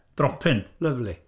Dropyn... Lyfli.